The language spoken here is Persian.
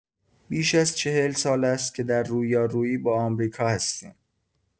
بیش از چهل سال است که در رویارویی با آمریکا هستیم.